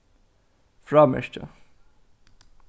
frámerkja